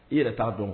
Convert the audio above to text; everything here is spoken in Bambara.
I yɛrɛ t'a dɔn